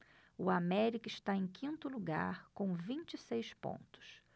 o américa está em quinto lugar com vinte e seis pontos